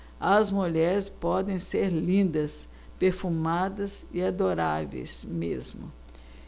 as mulheres podem ser lindas perfumadas e adoráveis mesmo